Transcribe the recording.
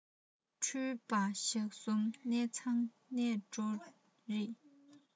འགྲུལ པ ཞག གསུམ གནས ཚང གནས མགྲོན རེད